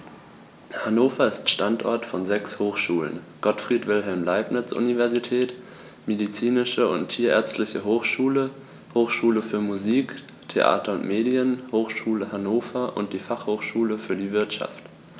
Hannover ist Standort von sechs Hochschulen: Gottfried Wilhelm Leibniz Universität, Medizinische und Tierärztliche Hochschule, Hochschule für Musik, Theater und Medien, Hochschule Hannover und die Fachhochschule für die Wirtschaft.